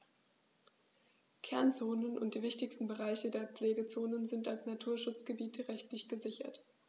Kernzonen und die wichtigsten Bereiche der Pflegezone sind als Naturschutzgebiete rechtlich gesichert.